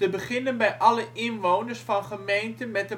beginnen bij alle inwoners van gemeenten met